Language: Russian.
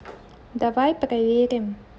давай проверим